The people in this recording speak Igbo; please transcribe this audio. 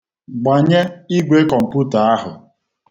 Gbanye igwe kọmputa ahụ.